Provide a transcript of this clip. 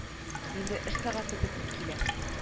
Инде эш сәгате бетеп килә